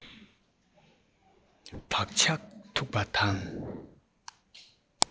བག ཆགས འཐུག པ དང